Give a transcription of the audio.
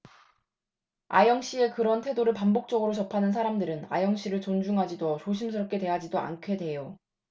아영씨의 그런 태도를 반복적으로 접하는 사람들은 아영씨를 존중하지도 조심스럽게 대하지도 않게 돼요